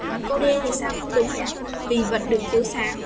cô đơn thì sao không đúng nhỉ vì vật được chiếu sáng